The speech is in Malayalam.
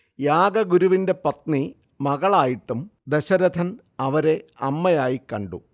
യാഗ ഗുരുവിന്റെ പത്നി മകളായിട്ടും ദശരഥൻ അവരെ അമ്മയായി കണ്ടു